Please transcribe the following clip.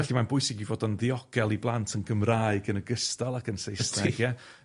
Felly mae'n bwysig 'i fod o'n ddiogel i blant yn Gymraeg, yn ogystal ac yn Saesneg. Ydi ie.